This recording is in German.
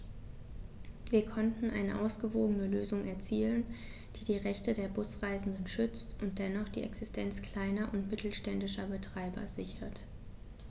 Wir konnten eine ausgewogene Lösung erzielen, die die Rechte der Busreisenden schützt und dennoch die Existenz kleiner und mittelständischer Betreiber sichert.